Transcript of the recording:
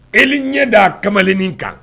E ɲɛ da'a kamalennin kan